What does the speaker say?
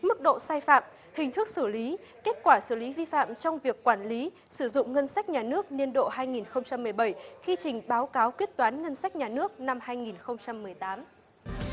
mức độ sai phạm hình thức xử lý kết quả xử lý vi phạm trong việc quản lý sử dụng ngân sách nhà nước niên độ hai nghìn không trăm mười bảy khi trình báo cáo quyết toán ngân sách nhà nước năm hai nghìn không trăm mười tám